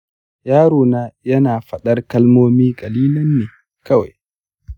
yarona yana fadar kalmomi kalilan ne kawai